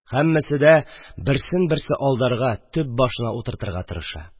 Һәммәсе дә берсен-берсе алдарга, төп башына утыртырга тырыша.